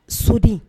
Soden